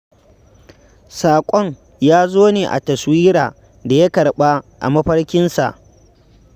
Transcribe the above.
Saƙon ya zo ne a taswira da ya karɓa a mafarkinsa.